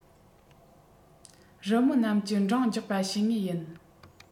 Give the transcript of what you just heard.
རུ མི རྣམས ཀྱིས འགྲངས རྒྱག པ བྱེད ངེས ཡིན